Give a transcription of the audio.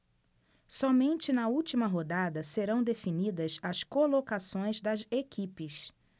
somente na última rodada serão definidas as colocações das equipes